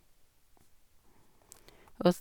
Og s...